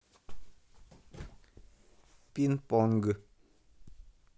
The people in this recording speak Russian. пин понг